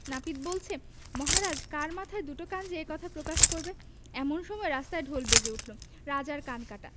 নাপিত বলছে মহারাজ কার মাথায় দুটো কান যে এ কথা প্রকাশ করবে এমন সময় রাস্তায় ঢোল বেজে উঠল রাজার কান কাটা